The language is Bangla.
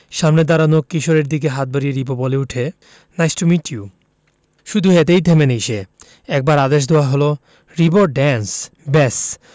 সামনের দাঁড়ানো কিশোরের দিকে হাত বাড়িয়ে দিয়ে রিবো বলে উঠে নাইস টু মিট ইউ শুধু এতেই থেমে নেই সে একবার আদেশ দেওয়া হলো রিবো ড্যান্স ব্যাস